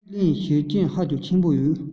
ཁས ལེན ཞོར སྐྱོན ཧ ཅང ཆེན པོ ཡོད